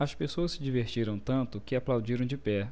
as pessoas se divertiram tanto que aplaudiram de pé